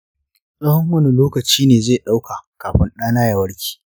tsawon wani lokaci ne zai ɗauka kafin ɗa na ya warke?